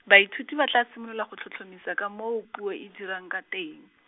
baithuti ba tla simolola go tlhotlhomisa ka moo puo e dirang ka teng.